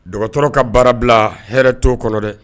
Dɔgɔtɔrɔ ka baara bila hɛrɛɛrɛ to kɔnɔ dɛ